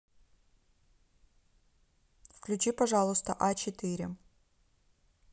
включи пожалуйста а четыре